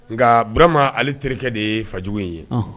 Nka bBurama ale terikɛ de ye fajugu in ye, ɔnhɔn.